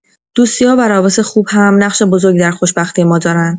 دوستی‌ها و روابط خوب هم نقش بزرگی در خوشبختی ما دارن.